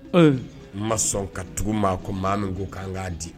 H n ma sɔn ka tugu maa ko maa min ko k'an k'an di